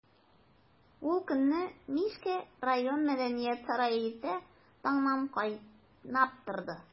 Ул көнне Мишкә район мәдәният сарае иртә таңнан кайнап торды.